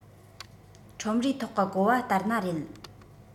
ཁྲོམ རའི ཐོག གི གོ བ ལྟར ན རེད